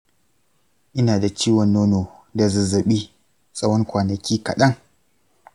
ina da ciwon nono da zazzabi tsawon kwanaki kaɗan.